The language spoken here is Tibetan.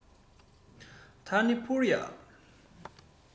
ད ནི འཕུར ཡ